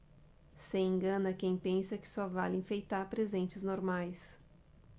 se engana quem pensa que só vale enfeitar presentes normais